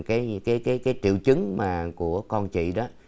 cái cái cái cái triệu chứng mà của con chị đó